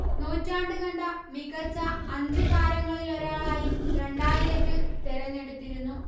നൂറ്റാണ്ട് കണ്ട മികച്ച അഞ്ചു താരങ്ങളിലൊരാളായി രണ്ടായിരത്തില് തെരഞ്ഞെടുത്തിരുന്നു